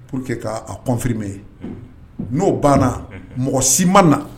pour que ka confirmer no banna mɔgɔ si ma na.